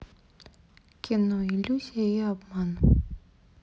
кино иллюзия и обман